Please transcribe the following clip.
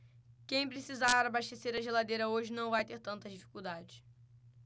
quem precisar abastecer a geladeira hoje não vai ter tantas dificuldades